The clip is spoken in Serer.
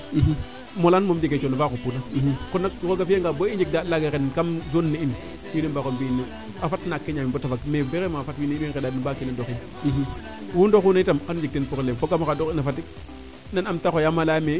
molaan moom jege coono faa cupuna kon nak rooga fiya nga boo i njeg daand laaga ren kam zone ne in wiin we mbar mbi nene a xot naak ke a ñamin bata fag mais vraiment fat wiin we ngenda den baa kina dukin wii ndoxuna yitam xanu njeg teen probleme fogame oxa dox ina Fatick nan aam te xooyaam a leyaame